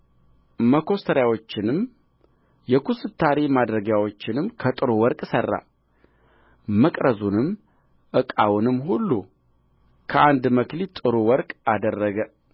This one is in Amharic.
መኰስተሪያዎቹንም የኩስታሪ ማድረጊያዎቹንም ከጥሩ ወርቅ ሠራ መቅረዙንም ዕቃውንም ሁሉ ከአንድ መክሊት ጥሩ ወርቅ አደረገ